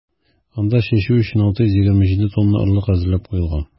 Анда чәчү өчен 627 тонна орлык әзерләп куелган.